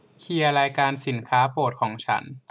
เคลียร์รายการสินค้าโปรดของฉัน